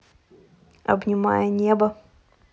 обнимая небо